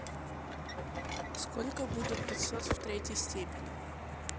сколько будет пятьсот в третьей степени